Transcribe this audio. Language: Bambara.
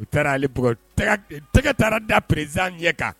U taara ale bugɔ. U taara , tɛgɛ taara da président ɲɛ kan.